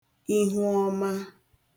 ihu ọma